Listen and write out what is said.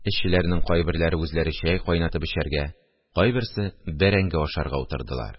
Эшчеләрнең кайберләре үзләре чәй кайнатып эчәргә, кайберсе бәрәңге ашарга утырдылар